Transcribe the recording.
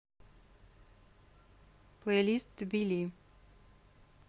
плейлист тбили